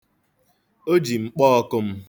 O ji mkpọọkụ m.